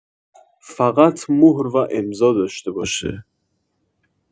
فقط مهر و امضا داشته باشه